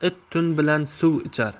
it tun bilan suv ichar